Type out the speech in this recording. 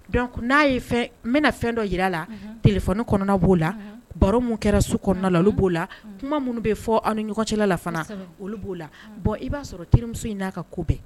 Donc n'a ye fɛn n bena fɛn dɔ yir'a la unhun téléphone kɔnɔna b'o la unhun baro mun kɛra su kɔɔna la olu b'o la unhun kuma munnu be fɔ aw ni ɲɔgɔn cɛla la fana kɔsɛbɛ olu b'o la uun bon i b'a sɔrɔ terimuso in n'a ka ko bɛ